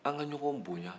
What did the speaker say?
an ka ɲɔgɔn bonya